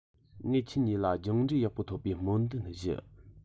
ངས ཁྱེད གཉིས ལ སྦྱངས འབྲས ཡག པོ ཐོབ པའི སྨོན འདུན ཞུ